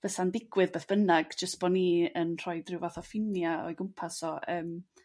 fysa'n digwydd beth bynnag jys' bo' ni yn rhoid rh'w fath o ffinia' o'i gwmpas o yrm